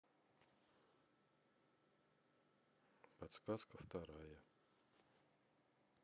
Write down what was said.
подсказка вторая